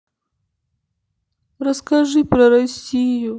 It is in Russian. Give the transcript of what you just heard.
расскажи про россию